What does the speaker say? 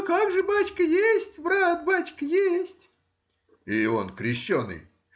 — Как же, бачка, есть брат, бачка, есть. — И он крещеный?